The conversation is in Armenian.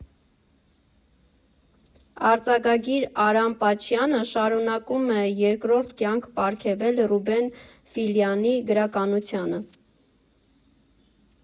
Արձակագիր Արամ Պաչյանը շարունակում է երկրորդ կյանք պարգևել Ռուբեն Ֆիլյանի գրականությանը.